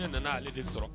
Ne nana ale de sɔrɔ